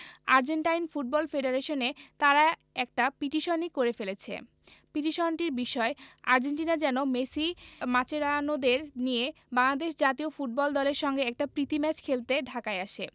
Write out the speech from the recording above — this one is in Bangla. আর্জেন্টাইন ফুটবল ফেডারেশনে তারা একটা পিটিশনই করে ফেলেছে পিটিশনটির বিষয় আর্জেন্টিনা যেন মেসি মাচেরানোদের নিয়ে বাংলাদেশ জাতীয় ফুটবল দলের সঙ্গে একটা প্রীতি ম্যাচ খেলতে ঢাকায় আসে